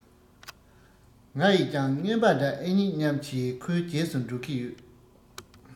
ང ཡིས ཀྱང རྔན པ འདྲ ཨེ རྙེད སྙམ གྱིན ཁོའི རྗེས སུ འགྲོ གི ཡོད